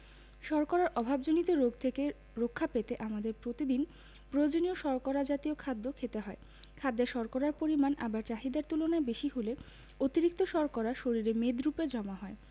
শর্করার অভাবজনিত রোগ থেকে রক্ষা পেতে আমাদের প্রতিদিন প্রয়োজনীয় শর্করা জাতীয় খাদ্য খেতে হয় খাদ্যে শর্করার পরিমাণ আবার চাহিদার তুলনায় বেশি হলে অতিরিক্ত শর্করা শরীরে মেদরুপে জমা হয়